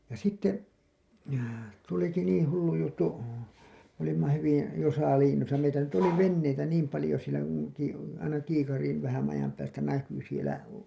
ja sitten tulikin niin hullu juttu me olimme hyvin jo saaliininnossa meitä nyt oli veneitä niin paljon siellä kun niin piti aina kiikariin vähän ajan päästä näkyi siellä